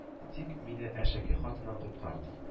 Тик мине әшәке хатыннан коткар,— ди